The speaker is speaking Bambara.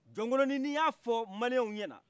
jɔkoloni ni y'a fɔ maliyen ɲɛna